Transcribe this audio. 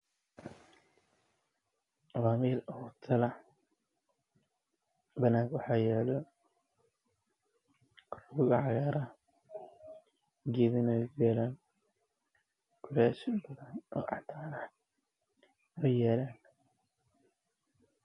Waa meel oo banan ah oo geedo ku yalaan